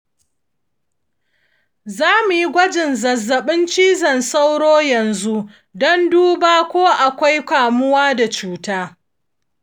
za mu yi gwajin zazzabin cizon sauro yanzu don duba ko akwai kamuwa da cuta.